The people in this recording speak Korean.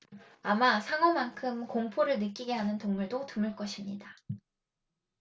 아마 상어만큼 공포를 느끼게 하는 동물도 드물 것입니다